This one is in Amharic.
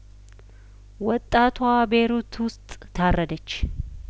ወጣቷ ቤይሩት ውስጥ ታረደች